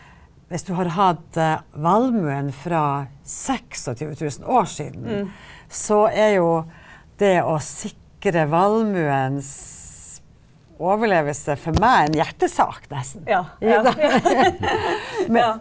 hvis du har hatt valmuen fra 26000 år siden, så er jo det å sikre valmuens overlevelse for meg en hjertesak nesten .